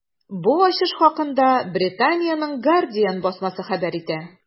Бу ачыш хакында Британиянең “Гардиан” басмасы хәбәр итә.